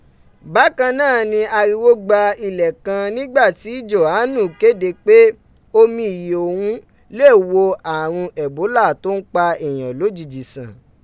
Bakan naa ni ariwo gba ilẹ kan nigba ti Jòhánù kede pe omi iye oun le wo arun ẹ̀bólà to n pa eeyan lojiji san.